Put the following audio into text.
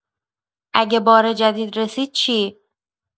اگه بار جدید رسید چی؟